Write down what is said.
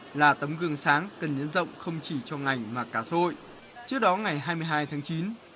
là tấm gương sáng cần nhân rộng không chỉ cho ngành mà cả xã hội trước đó ngày hai mươi hai tháng chín